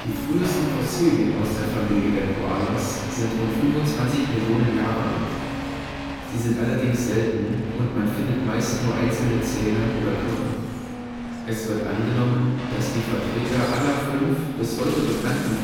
frühesten Fossilien aus der Familie der Koalas sind rund 25 Millionen Jahre alt. Sie sind allerdings selten und man findet meist nur einzelne Zähne und Knochen. Es wird angenommen, dass die Vertreter aller fünf bis heute bekannten